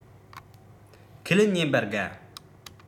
ཁས ལེན ཉན པར དགའ